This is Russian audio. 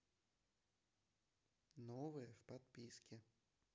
новое в подписке